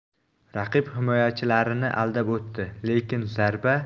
raqib himoyachilarini aldab o'tdi lekin zarba